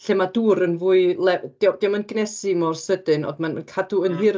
Lle ma dŵr yn fwy le-... dio dio'm yn cynhesu mor sydyn, ond ma' ma'n cadw yn hir.